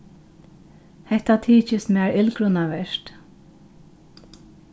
hetta tykist mær illgrunavert